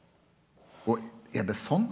og er det sånn?